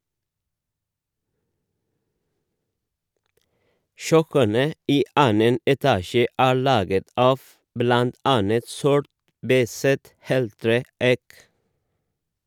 Kjøkkenet i annen etasje er laget av blant annet sort, beiset heltre eik.